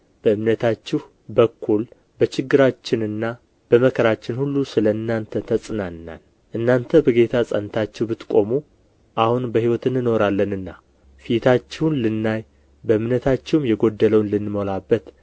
በእምነታችሁ በኩል በችግራችንና በመከራችን ሁሉ ስለ እናንተ ተጽናናን እናንተ በጌታ ጸንታችሁ ብትቆሙ አሁን በሕይወት እንኖራለንና ፊታችሁን ልናይ በእምነታችሁም የጎደለውን ልንሞላበት